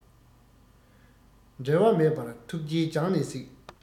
འབྲལ བ མེད པར ཐུགས རྗེས རྒྱང ནས གཟིགས